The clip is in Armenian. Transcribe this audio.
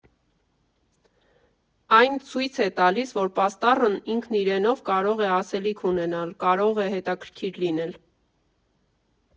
Այն ցույց է տալիս, որ պաստառն ինքն իրենով կարող է ասելիք ունենալ, կարող է հետաքրքիր լինել։